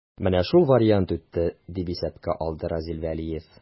Менә шул вариант үтте, дип искә алды Разил Вәлиев.